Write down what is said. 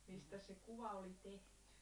mistäs se kuva oli tehty